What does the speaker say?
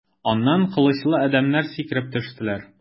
Аннан кылычлы адәмнәр сикереп төштеләр.